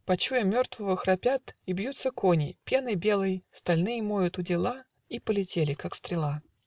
Почуя мертвого, храпят И бьются кони, пеной белой Стальные мочат удила, И полетели как стрела.